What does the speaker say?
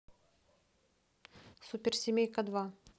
суперсемейка два